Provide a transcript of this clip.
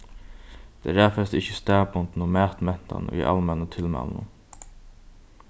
tey raðfesta ikki staðbundnu matmentanina í almennu tilmælunum